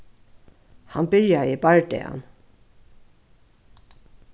hann byrjaði bardagan